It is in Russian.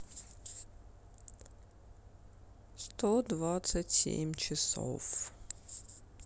сто двадцать семь часов